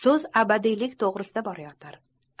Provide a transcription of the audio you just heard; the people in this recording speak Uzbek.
so'z abadiylik to'g'risida ketayotir